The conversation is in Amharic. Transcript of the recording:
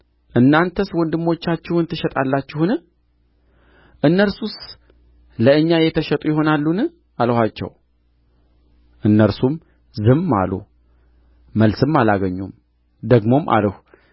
እናንተስ ወንድሞቻችሁን ትሸጣላችሁን እነርሱስ ለእኛ የተሸጡ ይሆናሉን አልኋቸው እነርሱም ዝም አሉ መልስም አላገኙም ደግሞም አልሁ